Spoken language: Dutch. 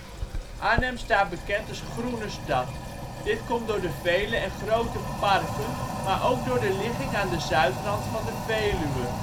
Arnhem staat bekend als groene stad. Dit komt door de vele en grote parken, maar ook door de ligging aan de zuidrand van de Veluwe